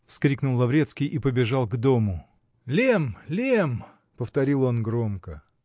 -- вскрикнул Лаврецкий и побежал к дому. -- Лемм! Лемм! -- повторил он громко.